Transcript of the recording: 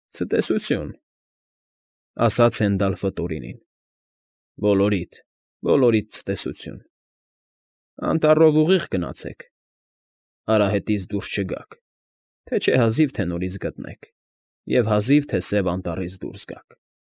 Ցտեսություն,֊ ասաց Հենդալֆը Տորինին։֊ Բոլորիդ, բոլորիդ ցտեսություն… Անտառով ուղիղ գնացեք, արահետից դուրս չգաք, թե չէ հազիվ թե նորից գտնեք և հազիվ թե Սև Անտառից դուրս գաք։